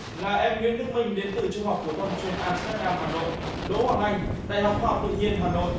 là em nguyễn đức minh đến từ trung học phổ thông chuyên am sừ téc đam hà nội đỗ hoàng anh đại học khoa học tự nhiên hà nội